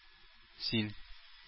Син